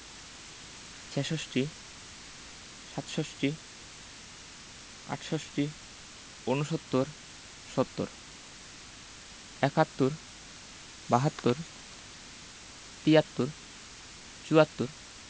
৬৬ – ছেষট্টি ৬৭ – সাতষট্টি ৬৮ – আটষট্টি ৬৯ – ঊনসত্তর ৭০ - সত্তর ৭১ – একাত্তর ৭২ – বাহাত্তর ৭৩ – তিয়াত্তর ৭৪ – চুয়াত্তর